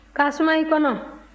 k'a suma i kɔnɔ